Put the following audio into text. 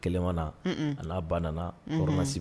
A kelen ma na. un un . A na ba de nana Unhun